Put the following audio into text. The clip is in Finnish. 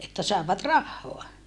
että saivat rahaa